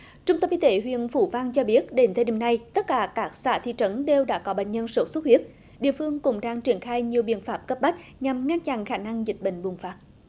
trung tâm y tế huyện phú vang cho biết đến thời điểm này tất cả các xã thị trấn đều đã có bệnh nhân sốt xuất huyết địa phương cũng đang triển khai nhiều biện pháp cấp bách nhằm ngăn chặn khả năng dịch bệnh bùng phát